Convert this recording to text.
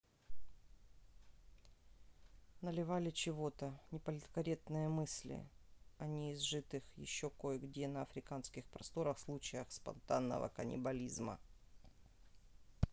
наливали чего то неполиткорректные мысли о неизжитых еще кое где на африканских просторах случаях спонтанного каннибализма